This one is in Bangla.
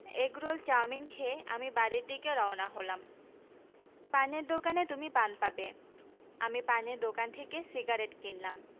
এগরোল চাওমীন খেয়ে আমি বাড়ীর দিকে রওনা হলাম পানের দোকানে তুমি পান পাবে আমি পানের দোকান থেকে সিগারেট কিনলাম